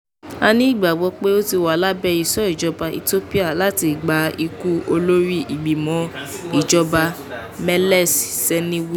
A ní ìgbàgbọ́ pé a ti wà lábẹ ìṣọ́ ìjọba Ethiopia láti ìgbà ikú Olórí Ìgbìmọ̀-ìjọba Meles Zenawi.